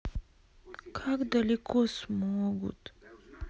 как далеко смогут